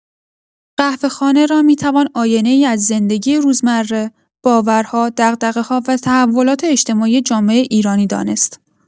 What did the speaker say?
قهوه‌خانه را می‌توان آیینه‌ای از زندگی روزمره، باورها، دغدغه‌ها و تحولات اجتماعی جامعه ایرانی دانست.